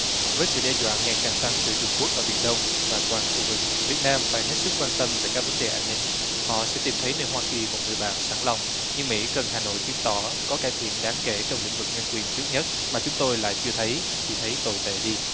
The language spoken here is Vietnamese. với sự đe dọa ngày càng tăng từ trung quốc ở biển đông và toàn khu vực việt nam phải hết sức quan tâm về các vấn đề an ninh họ sẽ tìm thấy nơi hoa kỳ một người bạn sẵn lòng nhưng mỹ cần hà nội chứng tỏ có cải thiện đáng kể trong lĩnh vực nhân quyền trước nhất mà chúng tôi lại chưa thấy chỉ thấy tồi tệ đi